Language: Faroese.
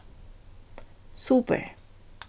super